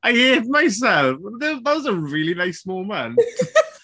I hate myself! The- that was a really nice moment! .